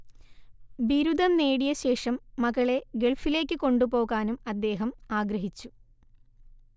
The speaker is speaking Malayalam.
ബിരുദം നേടിയശേഷം മകളെ ഗൾഫിലേക്കു കൊണ്ടുപോകാനും അദ്ദേഹം ആഗ്രഹിച്ചു